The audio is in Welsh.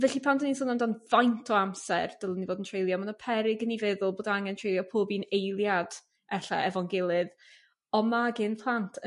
felly pan 'dyn ni'n sôn amdan faint o amser dylwn ni fod yn treulio ma' 'na peryg ni feddwl bod angen treulio pob un eiliad ella efo'n gilydd on' ma' gin plant